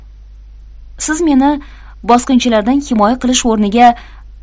siz meni bosqinchilardan himoya qilish o'rniga